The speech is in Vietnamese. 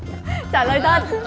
trả lời thật